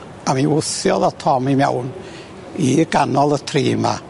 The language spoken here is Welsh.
a mi wthiodd o Tom i mewn i ganol y tri 'ma.